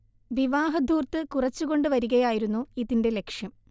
വിവാഹധൂർത്ത് കുറച്ച് കൊണ്ടു വരികയായിരുന്നു ഇതിന്റെ ലക്ഷ്യം